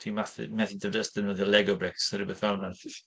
Ti mathu methu dy- jyst defnyddio Lego bricks neu rywbeth fel 'na.